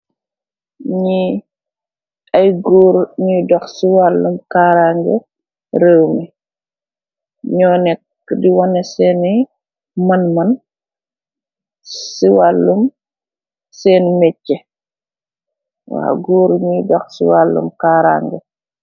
Nyee aye goor nu doh se walum karage reew me nu neka de wanee sene wan wan se walum sen meche waw goor nuye doh se walum karage.